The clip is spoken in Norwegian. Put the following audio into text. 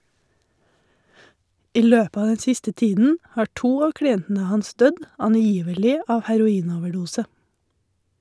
I løpet av den siste tiden har to av klientene hans dødd, angivelig av heroinoverdose.